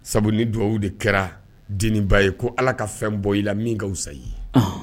Sabu ni dugawbabu de kɛra deninba ye ko ala ka fɛn bɔ i la min kasa ye